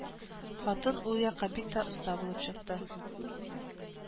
Хатын ул якка бик тә оста булып чыкты